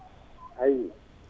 ayi